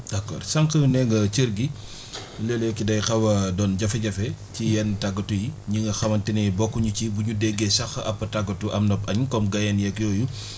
d' accord sànq nee nga cër gi léeg-léeg day xaw a doon jafe-jafe ci yenn tàggatu yi ñi nga xamante ni bokkuñu ci bu ñu déggee sax ab tàggatu am nab añ comme Guèyeen yeeg yooyu